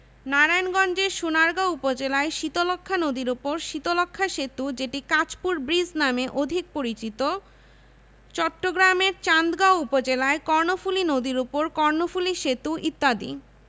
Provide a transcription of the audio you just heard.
নারায়ণগঞ্জের সোনারগাঁও উপজেলায় শীতলক্ষ্যা নদীর উপর শীতলক্ষ্যা সেতু যেটি কাঁচপুর ব্রীজ নামে অধিক পরিচিত চট্টগ্রামের চান্দগাঁও উপজেলায় কর্ণফুলি নদীর উপর কর্ণফুলি সেতু ইত্যাদি